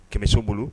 Kɛmɛso bolo